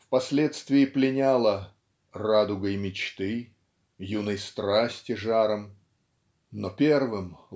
впоследствии пленяла "радугой мечты юной страсти жаром" "но первым